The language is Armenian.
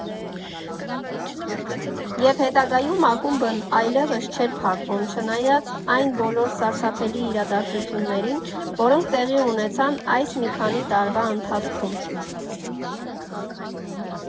Եվ հետագայում ակումբն այլևս չէր փակվում, չնայած այն բոլոր սարսափելի իրադարձություններին, որոնք տեղի ունեցան այս մի քանի տարվա ընթացքում։